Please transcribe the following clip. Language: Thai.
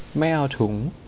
ไม่เอาถุง